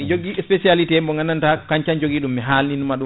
ɗi joogui spécialité mo gandanta ko kancci tan jogui ɗum mi haalninoma ɗum